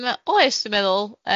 Yym, oed dwi'n meddwl.